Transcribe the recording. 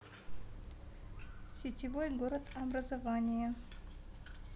сетевой город образование